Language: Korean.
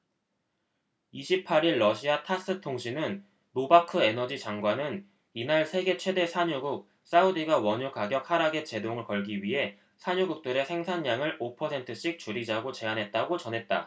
이십 팔 일 러시아 타스 통신은 노바크 에너지장관은 이날 세계 최대 산유국 사우디가 원유가격 하락에 제동을 걸기 위해 산유국들에 생산량을 오 퍼센트씩 줄이자고 제안했다고 전했다